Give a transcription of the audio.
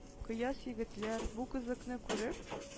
Көяз егетләр, бу кызыкны күреп,